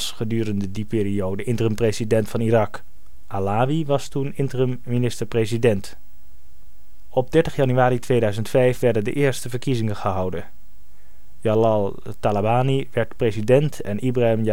gedurende die periode interim-president van Irak. Iyad Allawi was toen interim minister-president. Op 30 januari 2005 werden de eerste verkiezingen gehouden. Jalal Talabani werd president en Ibrahim Jaafari